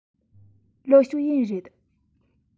ལིའི ཞའོ ཡན རེད